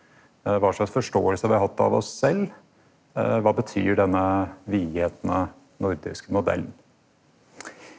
kva slags forståing vi har hatt av oss sjølve, kva betyr denne nordiske modellen?